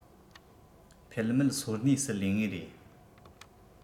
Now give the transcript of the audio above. འཕེལ མེད སོར གནས སུ ལུས ངེས རེད